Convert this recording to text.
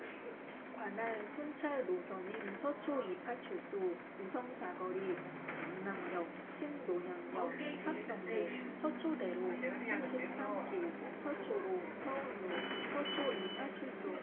관할 순찰 노선인 서초 이 파출소 우성사거리 강남역 신논현역 사평로 서초대로 칠십 삼 길 서초로 서운로 서초 이 파출소